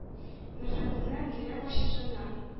Нәфрәтеннән, йөрәк ачысыннан